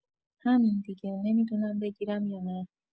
همین دیگه نمی‌دونم بگیرم یا نه